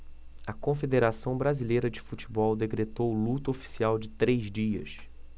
a confederação brasileira de futebol decretou luto oficial de três dias